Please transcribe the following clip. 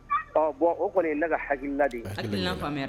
Bon o kɔni ye neka hakilina de ye, hakilina faamuna